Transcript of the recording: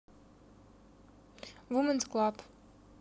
womens club